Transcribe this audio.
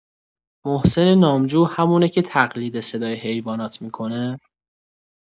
محسن نامجو همونه که تقلید صدای حیوانات می‌کنه؟